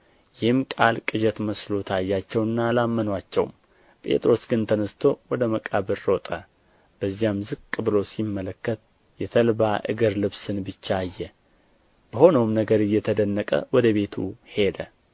ይህም ቃል ቅዠት መስሎ ታያቸውና አላመኑአቸውም ጴጥሮስ ግን ተነሥቶ ወደ መቃብር ሮጠ በዚያም ዝቅ ብሎ ሲመለከት የተልባ እግር ልብስን ብቻ አየ በሆነውም ነገር እየተደነቀ ወደ ቤቱ ሄደ